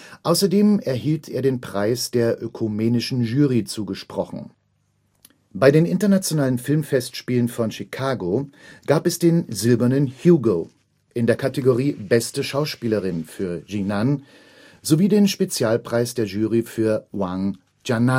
Außerdem erhielt er den Preis der Ökumenischen Jury zugesprochen. Bei den Internationalen Filmfestspielen von Chicago gab es den „ Silbernen Hugo “in der Kategorie „ Beste Schauspielerin “für Yu Nan sowie den Spezialpreis der Jury für Wang Quan'an